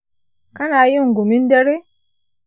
kana yin gumin dare?